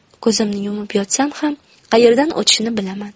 ko'zimni yumib yotsam ham qayerdan o'tishini bilaman